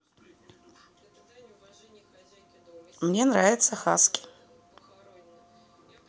мне нравится хаски